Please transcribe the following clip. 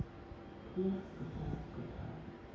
кря кря кря